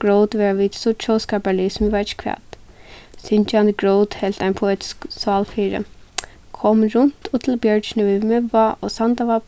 grót verða vit so tjóðskaparlig sum eg veit ikki hvat syngjandi grót helt ein poetisk sál fyri komin runt og til bjørgini við miðvág og sandavág